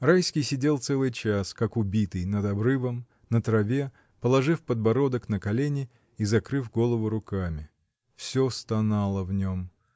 Райский сидел целый час как убитый над обрывом, на траве, положив подбородок на колени и закрыв голову руками. Всё стонало в нем.